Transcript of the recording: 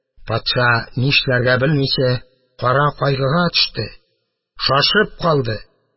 Патша, нишләргә белмичә, кара кайгыга төште, шашып калды.